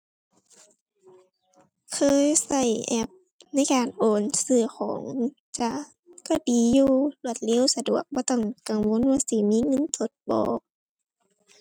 เคยใช้แอปในการโอนซื้อของจ้ะ ใช้ดีอยู่รวดเร็วสะดวกบ่ต้องกังวลว่าสิมีเงินสดบ่